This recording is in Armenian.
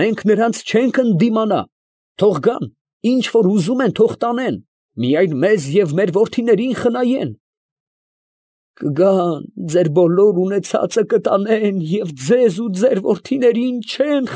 Մենք նրանց չենք ընդդիմանա, թո՛ղ գան, ինչ որ ուզում են թո՛ղ տանեն, միայն մեզ և մեր որդիներին խնայեն…»։ ֊ Կգան, ձեր բոլոր ունեցածը կտանեն և ձեզ ու ձեր որդիներին չեն։